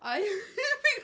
I